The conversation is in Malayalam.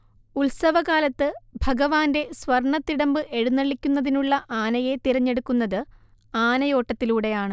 ഉത്സവകാലത്ത് ഭഗവാന്റെ സ്വർണ്ണതിടമ്പ് എഴുന്നള്ളിക്കുന്നതിനുള്ള ആനയെ തിരഞ്ഞെടുക്കുന്നത് ആനയോട്ടത്തിലൂടെയാണ്